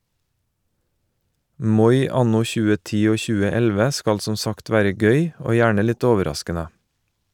Moi anno 2010 og 2011 skal som sagt være gøy, og gjerne litt overraskende.